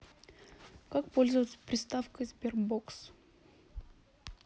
как пользоваться приставкой sberbox